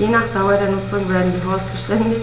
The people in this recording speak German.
Je nach Dauer der Nutzung werden die Horste ständig